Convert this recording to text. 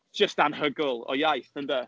Jyst anhygoel o iaith, ynde?